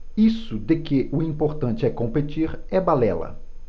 isso de que o importante é competir é balela